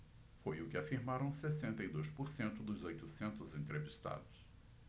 foi o que afirmaram sessenta e dois por cento dos oitocentos entrevistados